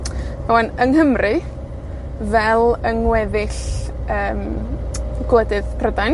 Rŵan, yng Nghymru, fel yng ngweddill gwledydd yym, gwledydd Prydain,